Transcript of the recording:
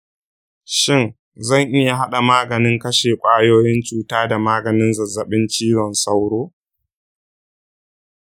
shin zan iya haɗa maganin kashe ƙwayoyin cuta da maganin zazzabin cizon sauro?